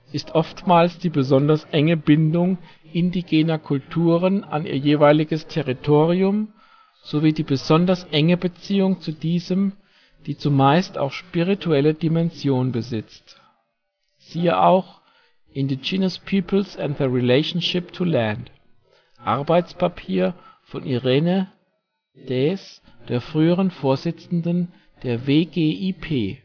ist oftmals die besonders enge Bindung indigener Kulturen an ihr jeweiliges Territorium sowie die besonders enge Beziehung zu diesem, die zumeist auch spirituelle Dimension besitzt. (Siehe auch Indigenous Peoples and their Relationship to Land, Arbeitspapier von Erika-Irene Daes, der früheren Vorsitzenden der WGIP